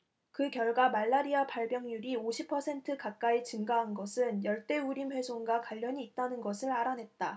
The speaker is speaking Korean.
그 결과 말라리아 발병률이 오십 퍼센트 가까이 증가한 것은 열대 우림 훼손과 관련이 있다는 것을 알아냈다